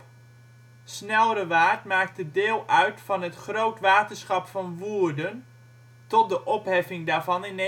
Snelrewaard maakte deel uit van het Groot-Waterschap van Woerden tot de opheffing daarvan in